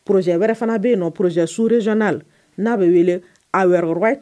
Poz wɛrɛ fana bɛ yen nɔ poze szda n'a bɛ wele a wɛrɛba